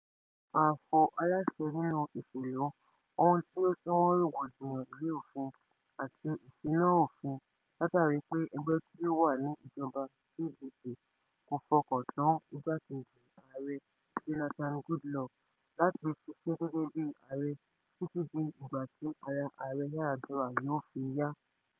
Ààfo aláṣẹ nínú ìṣèlú, ohun tí ó súnmọ́ rògbòdìyàn ìwé òfin, àti ìfínná òfin látààrí pé ẹgbẹ̀ tí ó wà ní ìjọba (PDP) kò fọkàn tán Igbákejì Ààrẹ (Jonathan Goodluck) láti ṣiṣẹ́ gẹ́gẹ́ bíi Ààrẹ títí di ìgbà tí ara Ààrẹ Yar'Adua yóò fi yá.